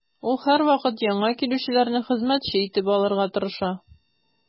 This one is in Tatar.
Ул һәрвакыт яңа килүчеләрне хезмәтче итеп алырга тырыша.